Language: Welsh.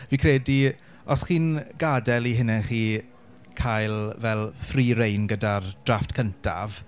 Fi credu, os chi'n gadael i hunan chi cael fel free reign gyda'r drafft cyntaf...